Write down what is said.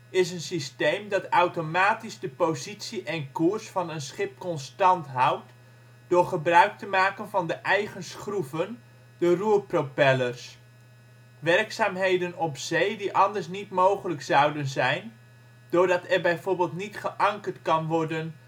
is een systeem dat automatisch de positie en koers van een schip constant houdt door gebruik te maken van de eigen schroeven (roerpropellers). Werkzaamheden op zee die anders niet mogelijk zouden zijn – doordat er bijvoorbeeld niet geankerd kan worden